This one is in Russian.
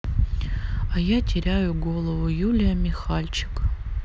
а я теряю голову юлия михальчик